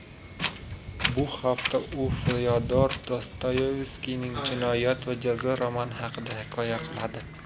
bu hafta u fyodor dostoyevskiyning jinoyat va jazo romani haqida hikoya qiladi